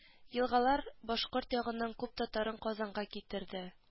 Елгалар башкорт ягының күп татарын казанга китерде